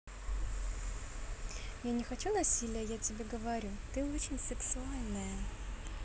я не хочу насилия я тебе говорю ты очень сексуальная